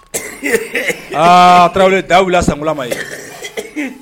aaa Traore daa wilila saŋula ma ye